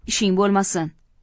ishing bo'lmasin